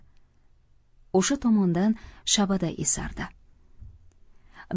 o'sha tomondan shabada esardi